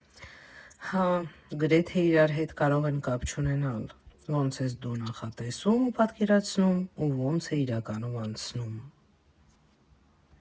Հա, գրեթե իրար հետ կարող են կապ չունենալ՝ ոնց ես դու նախատեսում ու պատկերացնում, ու ոնց է իրականում անցնում։